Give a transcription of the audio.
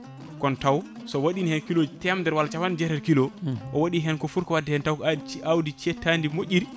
kono taw so waɗino hen kilos ji temedere walla capanɗe jeetati kiols o waɗi hen ko footi ko wadde hen taw awdi cettadi moƴƴiri